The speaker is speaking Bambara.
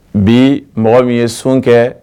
Bi mɔgɔ min ye sun kɛ